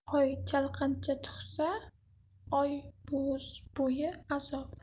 oy chalqancha tug'sa oy bo'yi ayoz